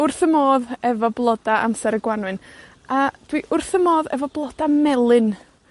wrth fy modd efo bloda amser y Gwanwyn, a dwi wrth fy modd efo bloda melyn.